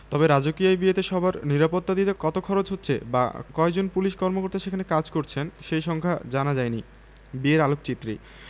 তবে রাজকীয় এই বিয়েতে সবার নিরাপত্তা দিতে কত খরচ হচ্ছে বা কয়জন পুলিশ কর্মকর্তা সেখানে কাজ করছেন সেই সংখ্যা জানা যায়নি বিয়ের আলোকচিত্রী